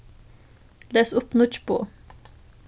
les upp nýggj boð